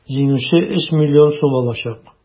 Җиңүче 3 млн сум алачак.